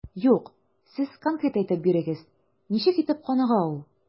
Юк, сез конкрет әйтеп бирегез, ничек итеп каныга ул?